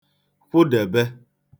kwụdèbe